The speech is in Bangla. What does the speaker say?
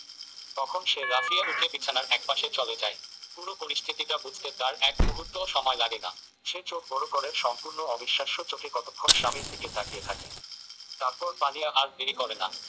তখন সে লাফিয়ে উঠে বিছানার একপাশে চলে যায় পুরো পরিস্থিতিটা বুঝতে তার এক মুহূর্তও সময় লাগে না সে চোখ বড় করে সম্পূর্ণ অবিশ্বাস্য চোখে কতক্ষণ স্বামীর দিকে তাকিয়ে থাকে তারপর পানিয়া আর দেরি করে না